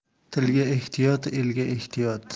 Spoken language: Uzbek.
tilga ehtiyot elga ehtiyot